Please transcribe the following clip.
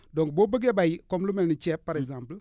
donc boo bëggee bay comme lu mel ni ceeb par exemple